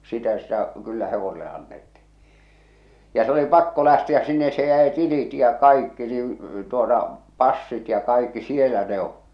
sitä sitä kyllä hevoselle annettiin ja se oli pakko lähteä sinne se jäi tilit ja kaikki niin tuota passit ja kaikki siellä ne on